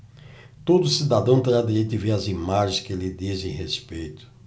todo cidadão terá direito de ver as imagens que lhe dizem respeito